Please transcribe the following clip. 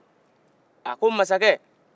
a ko masakɛ